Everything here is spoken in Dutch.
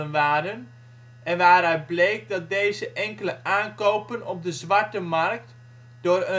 waren en waaruit bleek dat deze enkele aankopen op de zwarte markt door